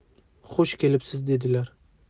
xush kelibsiz dedilar